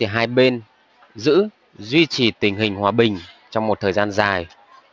hai bên giữ duy trì tình hình hòa bình trong một thời gian dài